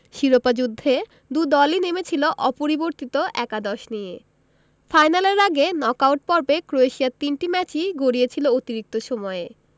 শিরোপা যুদ্ধে দু দলই নেমেছিল অপরিবর্তিত একাদশ নিয়ে ফাইনালের আগে নকআউট পর্বে ক্রোয়েশিয়ার তিনটি ম্যাচই গড়িয়েছিল অতিরিক্ত সময়ে